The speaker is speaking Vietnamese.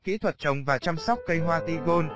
kỹ thuật trồng và chăm sóc cây hoa tigon